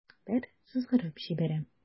Әкбәр сызгырып җибәрә.